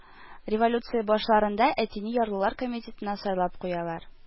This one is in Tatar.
Революция башларында әтине ярлылар комитетына сайлап куялар